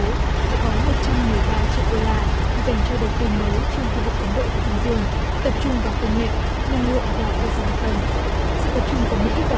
bố sẽ có một trăm mười ba triệu đô la dành cho đầu tư mới trong khu vực ấn độ thái bình dương tập trung vào công nghệ năng lượng và cơ sở hạ tầng sự tập trung của mỹ vào